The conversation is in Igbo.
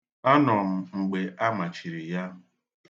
Anọ m mgbe a machiri ya.